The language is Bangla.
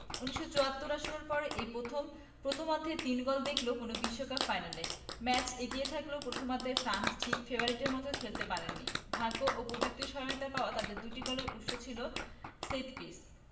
১৯৭৪ আসরের পর এই প্রথম প্রথমার্ধে তিন গোল দেখল কোনো বিশ্বকাপ ফাইনাল ম্যাচে এগিয়ে থাকলেও প্রথমার্ধে ফ্রান্স ঠিক ফেভারিটের মতো খেলতে পারেনি ভাগ্য ও প্রযুক্তির সহায়তায় পাওয়া তাদের দুটি গোলের উৎস ছিল সেটপিস